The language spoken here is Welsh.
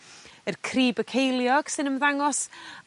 yr cryb y ceiliog sy'n ymddangos